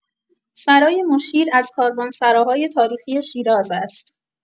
سرای مشیر از کاروانسراهای تاریخی شیراز است.